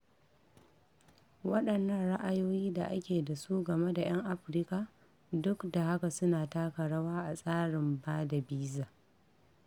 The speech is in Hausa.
Waɗannan ra'ayoyi da ake da su game da 'yan Afirka, duk da haka, su na taka rawa a tsarin ba da biza: